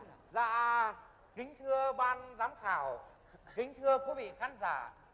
dạ kính thưa ban giám khảo kính thưa quý vị khán giả